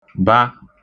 ba